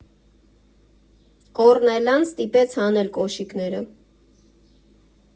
Օռնելան ստիպեց հանել կոշիկները։